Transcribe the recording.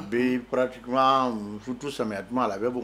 Bɛtu sami la bɛ